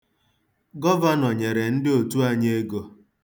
Gọvanọ nyere ndị otu anyị ego.